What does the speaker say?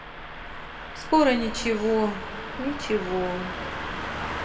скоро ничего ничего